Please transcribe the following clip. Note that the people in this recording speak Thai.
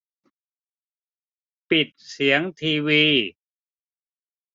ปิดเสียงทีวี